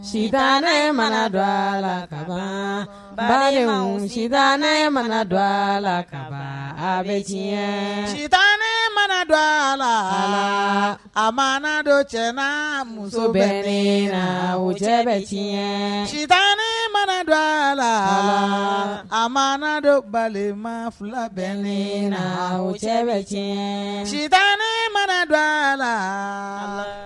Suta ne mana dɔ a la ka bali sita ne mana dɔ a la ka bɛ diɲɛ sita mana dɔ a la a ma dɔ cɛ muso bɛ wo cɛ bɛ sita ne mana dɔ a la a ma dɔ balima fila bɛ le la wo cɛ bɛ cɛ sita mana dɔ a la